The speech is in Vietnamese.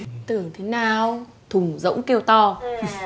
tưởng nào thùng rỗng kêu to